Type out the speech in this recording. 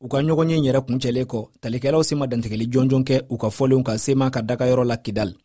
u ka ɲɔgɔnye in yɛrɛ kuncɛlen kɔ talikɛlaw si ma dantigɛli jɔnjɔn kɛ u ka fɔlen kan sema ka dagayɔrɔ la kidali